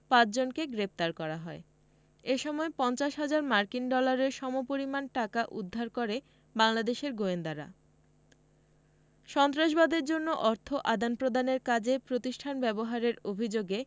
পাঁচজনকে গ্রেপ্তার করা হয় এ সময় ৫০ হাজার মার্কিন ডলারের সমপরিমাণ টাকা উদ্ধার করে বাংলাদেশের গোয়েন্দারা সন্ত্রাসবাদের জন্য অর্থ আদান প্রদানের কাজে প্রতিষ্ঠান ব্যবহারের অভিযোগে